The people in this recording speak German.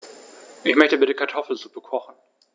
Ich möchte bitte Kartoffelsuppe kochen.